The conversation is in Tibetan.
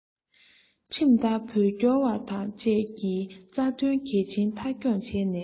ཁྲིམས ལྟར བོད སྐྱོང བ དང བཅས ཀྱི རྩ དོན གལ ཆེན མཐའ འཁྱོངས བྱས ནས